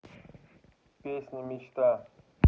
песня мечта